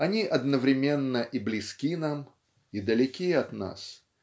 они одновременно и близки нам, и далеки от нас